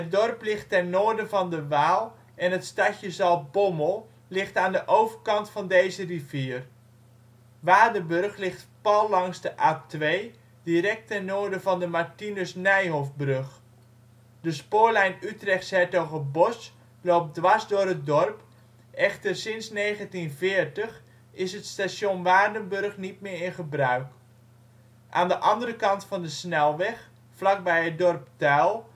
dorp ligt ten noorden van de Waal en het stadje Zaltbommel ligt aan de overkant van deze rivier. Waardenburg ligt pal langs de A2, direct ten noorden van de Martinus Nijhoffbrug. De spoorlijn Utrecht -' s-Hertogenbosch loopt dwars door het dorp, echter sinds 1940 is het station Waardenburg niet meer in gebruik. Aan de andere kant van de snelweg, vlakbij het dorp Tuil